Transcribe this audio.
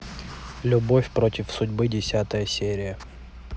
любовь против судьбы десятая серия